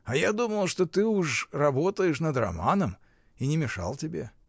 а я думал, что ты уж работаешь над романом, и не мешал тебе.